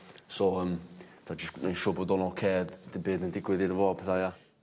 so yym fatha js neu' sîwr bod on oce a d- dim byd yn digwydd iddo fo a petha ia?